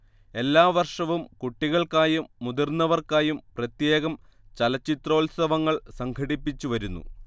എല്ലാ വർഷവും കുട്ടികൾക്കായും മുതിർന്നവർക്കായും പ്രത്യേകം ചലച്ചിത്രോത്സവങ്ങൾ സംഘടിപ്പിച്ചുവരുന്നു